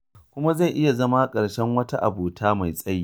Kuma zai iya zama ƙarshen wata abota mai tsayi.